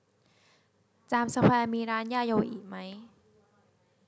จามสแควร์มีร้านยาโยอิไหม